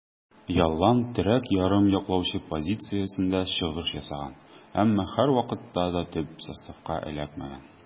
Ялланн терәк ярым яклаучы позициясендә чыгыш ясаган, әмма һәрвакытта да төп составка эләкмәгән.